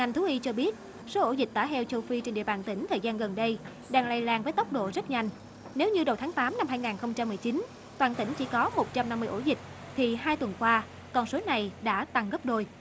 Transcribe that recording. ngành thú y cho biết số ổ dịch tả heo châu phi trên địa bàn tỉnh thời gian gần đây đang lây lan với tốc độ rất nhanh nếu như đầu tháng tám năm hai ngàn không trăm mười chín toàn tỉnh chỉ có một trăm năm mươi ổ dịch thì hai tuần qua con số này đã tăng gấp đôi